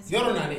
Sya yɔrɔ naani